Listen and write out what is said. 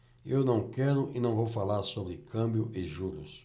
eu não quero e não vou falar sobre câmbio e juros